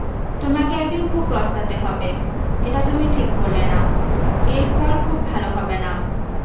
তোমাকে একদিন খুব পস্তাতে হবে এটা তুমি ঠিক করলে না এর ফল খুব ভালো হবে না